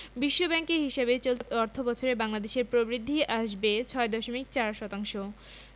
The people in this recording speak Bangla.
বিশ্বব্যাংকের হিসাবে চলতি অর্থবছরে বাংলাদেশের প্রবৃদ্ধি আসবে ৬.৪ শতাংশ